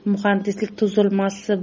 muhandislik tuzilmasi